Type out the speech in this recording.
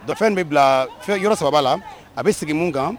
Dɔ fɛn bɛ bila fɛn yɔrɔ saba la a bɛ sigi mun kan